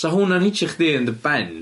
...sa hwnna'n hitio chdi yn dy ben.